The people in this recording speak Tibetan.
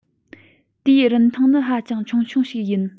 དེའི རིན ཐང ནི ཧ ཅང ཆུང ཆུང ཞིག ཡིན